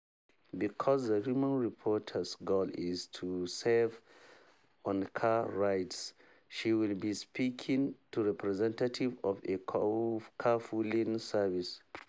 Because the woman reporter’s goal is to save on car rides, she will be speaking to a representative of a carpooling service